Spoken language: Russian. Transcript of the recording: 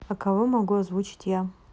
а кого могу озвучить я